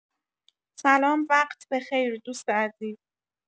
سلام وقت بخیر دوست عزیز